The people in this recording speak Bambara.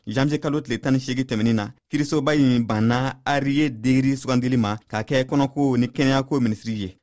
janvier kalo tile 18 tɛmɛnɛn na kiirisoba in banna arie deri sugandili ma ka kɛ kɔnɔko ni kɛnɛyako minisiri ye